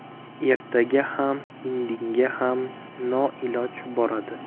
ertaga ham indinga ham noiloj boradi